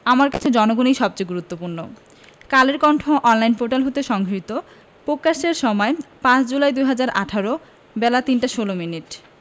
আমার কাছে জনগণই সবচেয়ে গুরুত্বপূর্ণ কালের কন্ঠের অনলাইন ফোর্টাল হতে সংগৃহীত পকাশের সময় ৫ জুলাই ২০১৮ বেলা ৩টা ১৬ মিনিট